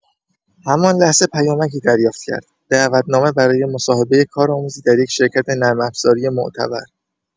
همان لحظه پیامکی دریافت کرد: دعوت‌نامه برای مصاحبه کارآموزی در یک شرکت نرم‌افزاری معتبر.